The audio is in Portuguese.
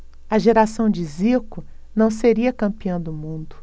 a geração de zico não seria campeã do mundo